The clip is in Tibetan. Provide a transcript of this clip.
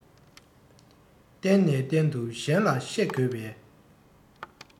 གཏན ནས གཏན དུ གཞན ལ བཤད དགོས པའི